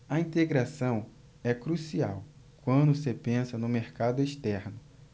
a integração é crucial quando se pensa no mercado externo